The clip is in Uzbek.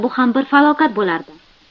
bu ham bir falokat bo'lardi